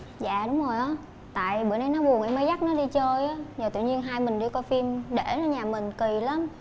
dạ đúng rồi ớ tại bữa đấy nó buồn em mới dắt nó đi chơi á giờ tự nhiên hai mình đi coi phim để nó nhà mình kì lắm